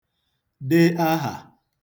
dẹ ahà